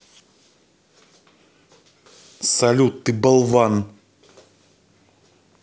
салют ты болван